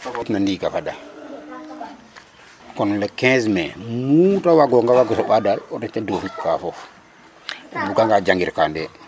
ndiig a fada kon le 15 mai mu ta waagongaa waag o soɓaa rek reti duufik ngaafof o buganga jangirkandee .